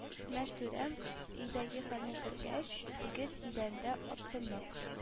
Мәчтүрәм, өйдәге хәлне күргәч, тигез идәндә атынып